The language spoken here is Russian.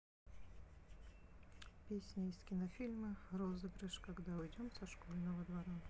песня из кинофильма розыгрыш когда уйдем со школьного двора